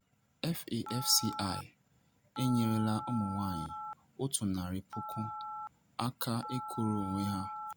FAFCI enyerela ụmụ nwaanyị 100,000 aka ịkwụrụ onwe ha.